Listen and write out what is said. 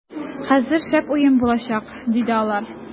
- хәзер шәп уен булачак, - диде алар.